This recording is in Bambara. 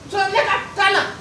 Son ne ka kalan